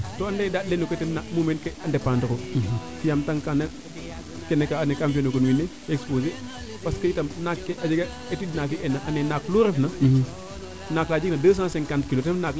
to ande dand lene koy tena mumeen ke a dependre u yaam tang kaana kene kaa ando naye kam fiya no gun wiin we parce que itam naak ke a jega equipe na ga'eena aande naak nu refna naak la jeg na deux cent cinquante kilo